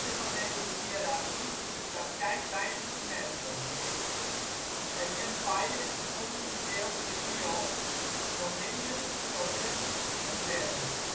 van deze hiërarchie in de praktijk weinig te merken. Het Empire is onderverdeeld in Realms, Dominions, Provinces en Dens